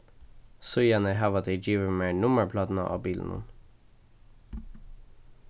síðani hava tey givið mær nummarplátuna á bilinum